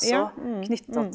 ja ja ja.